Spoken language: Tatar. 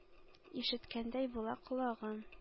Ишеткәндәй була колагым.